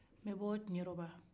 nbɛ bɔ tiɲɛdɔba